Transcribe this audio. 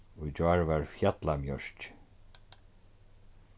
í gjár var fjallamjørki